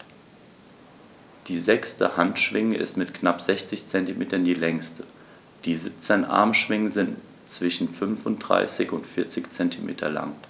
Die sechste Handschwinge ist mit knapp 60 cm die längste. Die 17 Armschwingen sind zwischen 35 und 40 cm lang.